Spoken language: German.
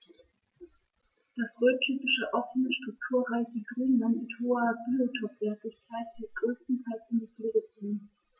Das rhöntypische offene, strukturreiche Grünland mit hoher Biotopwertigkeit fällt größtenteils in die Pflegezone.